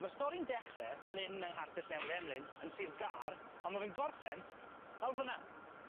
Ma'r stori'n dechre fan 'yn yng Nghastell Newydd Emlyn yn Sir Gar ond ma' fe'n gorffen lawr fyn 'na